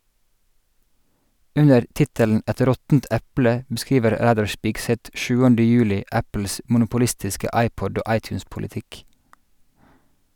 Under tittelen "Et råttent eple" beskriver Reidar Spigseth 7. juli Apples monopolistiske iPod- og iTunes-politikk.